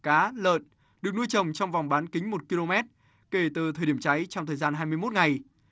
cá lợn được nuôi trồng trong vòng bán kính một ki lô mét kể từ thời điểm cháy trong thời gian hai mươi mốt ngày